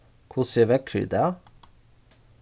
hvussu er veðrið í dag